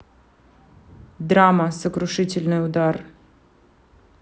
драма сокрушительный удар